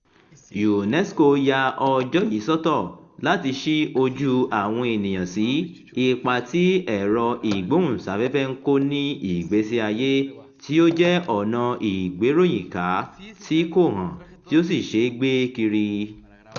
UNESCO yà ọjọ́ yìí sọ́tọ̀ láti ṣí ojú àwọn ènìyàn sí ipa tí ẹ̀rọ-ìgbóhùnsáfẹ́fẹ́ ń kó ní ìgbésí ayé — tí ó jẹ́ ọ̀nà ìgbéròyìnká tí kò hàn, tí ó sì ṣe é gbé kiri.